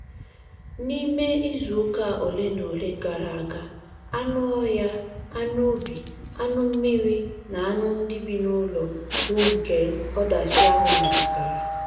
N'ime izu ụka olenaole gaara aga, anụ ọhịa, anụ ubi, anụ mmiri na anụ ndị bi n'ụlọ bụ nke ọdachi ahụ metụtara.